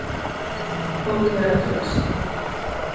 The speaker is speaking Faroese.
okur læra týskt